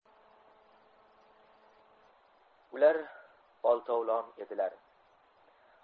ular oltovlon edilar